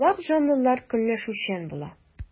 Вак җанлылар көнләшүчән була.